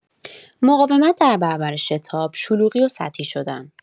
مقاومت در برابر شتاب، شلوغی و سطحی شدن.